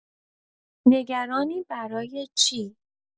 نگرانی برای چی